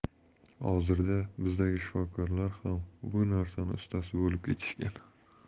hozirda bizdagi shifokorlar ham bu narsani ustasi bo'lib ketishgan